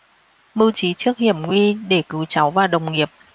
mưu trí trước hiểm nguy để cứu cháu và đồng nghiệp